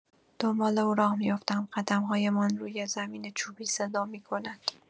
دنبال او راه می‌افتم، قدم‌هایمان روی زمین چوبی صدا می‌کند.